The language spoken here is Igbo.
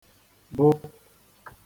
bụ